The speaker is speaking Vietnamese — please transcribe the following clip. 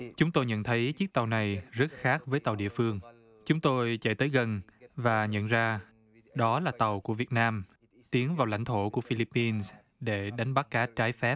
chúng tôi nhận thấy chiếc tàu này rất khác với tàu địa phương chúng tôi chạy tới gần và nhận ra đó là tàu của việt nam tiến vào lãnh thổ của phi líp pin để đánh bắt cá trái phép